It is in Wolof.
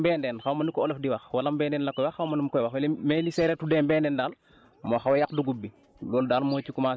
mais daal li ñuy wax xaw ma nu ko olof di wax wala la koy wax xaw ma nu mu koy wax mais :frali séeréertuddee daal moo xaw a yàq dugub bi